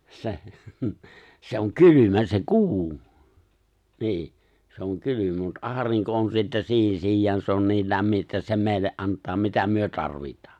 se se on kylmä se kuu niin se on kylmä mutta aurinko on sitten siihen sijaan se on niin lämmin että se meille antaa mitä me tarvitaan